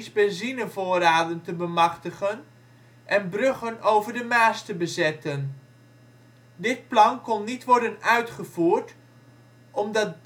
benzinevoorraden te bemachtigen en bruggen over de Maas te bezetten. Dit plan kon niet worden uitgevoerd, omdat